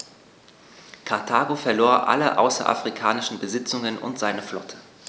Karthago verlor alle außerafrikanischen Besitzungen und seine Flotte.